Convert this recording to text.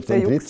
det er juks.